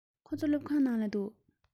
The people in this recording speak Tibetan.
ཁོ ཚོ སློབ ཁང ནང ལ འདུག